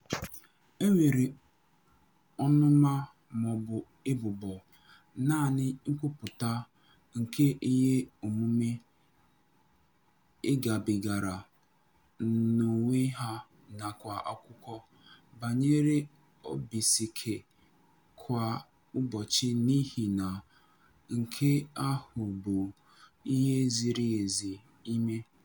Enweghị ọnụma maọbụ ebubo, naanị nkwupụta nke iheomume a gabigara n'onwe ha nakwa akụkọ banyere obiisiike kwa ụbọchị n'ihi na nke ahụ bụ ihe ziri ezi ime.